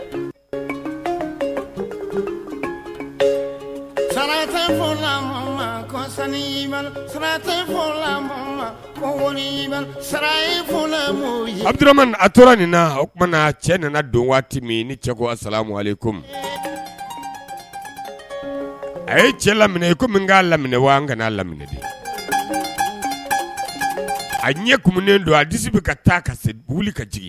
A tora nin oumana cɛ nana don waati min ni cɛ ko a ye cɛ lamini ye kɔmi min k'a laminɛ wa an kaa lam a ɲɛ kunden don a disibi ka taa ka se wuli ka